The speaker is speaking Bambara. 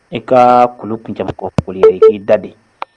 I ka kulu i k'i da de